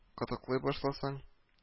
Кытыклый башласаң